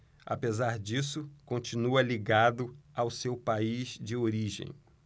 apesar disso continua ligado ao seu país de origem